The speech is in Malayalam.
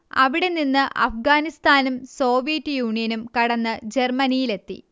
അവിടെ നിന്ന് അഫ്ഗാനിസ്ഥാനും സോവിയറ്റ് യൂണിയനും കടന്ന് ജർമ്മനിയിലെത്തി